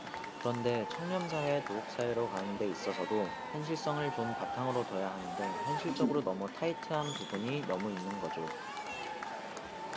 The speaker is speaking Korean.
그런데 청렴사회 도덕사회로 가는 데 있어서도 현실성을 좀 바탕으로 둬야 하는데 현실적으로 너무 타이트한 부분이 너무 있는 거죠